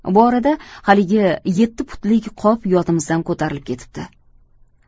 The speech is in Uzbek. bu orada haligi yetti pudlik qop yodimizdan ko'tarilib ketibdi